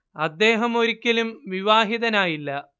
അദ്ദേഹമൊരിക്കലും വിവാഹിതനായില്ല